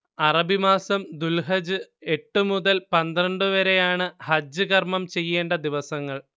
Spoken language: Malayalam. അറബിമാസം ദുൽഹജ്ജ് എട്ട് മുതൽ പന്ത്രണ്ട് വരെയാണ് ഹജ്ജ് കർമ്മം ചെയ്യേണ്ട ദിവസങ്ങൾ